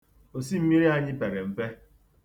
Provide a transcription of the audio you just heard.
Osimmiri anyị pere mpe.